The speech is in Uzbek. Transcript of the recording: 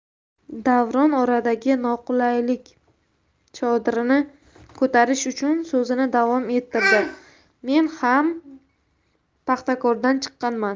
davron oradagi noqulaylik chodirini ko'tarish uchun so'zini davom ettirdi men ham paxtakordan chiqqanman